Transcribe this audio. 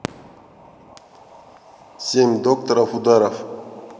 семь докторов ударов